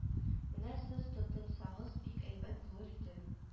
Менә сез тотынсагыз бик әйбәт булыр иде